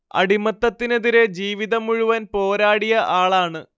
അടിമത്തത്തിനെതിരെ ജീവിതം മുഴുവൻ പോരാടിയ ആളാണ്